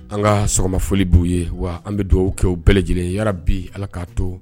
An ka sɔgɔma foli bu ye . Wa an bi duwawu kɛ u bɛɛ lajɛlen ye . Yarabi Ala ka to